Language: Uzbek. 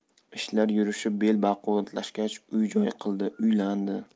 ishlar yurishib bel baquvvatlashgach uy joy qildi uylandi